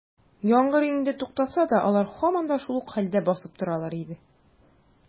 Яңгыр инде туктаса да, алар һаман да шул ук хәлдә басып торалар иде.